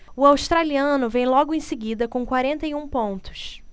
o australiano vem logo em seguida com quarenta e um pontos